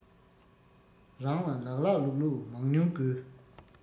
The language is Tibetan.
རང ལ ལགས ལགས ལུགས ལུགས མང ཉུང དགོས